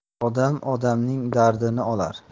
odam odamning dardini olar